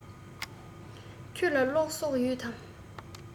ཁྱོད ལ གློག བསོགས ཡོད དམ